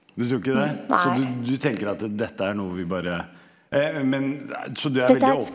du tror ikke det så du du tenker at dette er noe vi bare men så du er veldig?